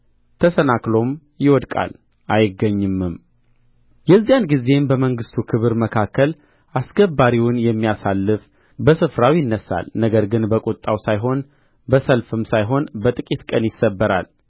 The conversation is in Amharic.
ተሰናክሎም ይወድቃል አይገኝምም የዚያን ጊዜም በመንግሥቱ ክብር መካከል አስገባሪውን የሚያሳልፍ በስፍራው ይነሣል ነገር ግን በቍጣው ሳይሆን በሰልፍም ሳይሆን በጥቂት ቀን ይሰበራል